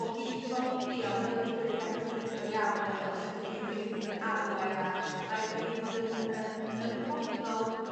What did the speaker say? o gyd gordio yn gor'o' digwydd i ga' cyfathrebu go iawn dwi me'wl lle dydi rywun ddim yn arwain a ma' rhaid i fi bod yn yn ymwybodol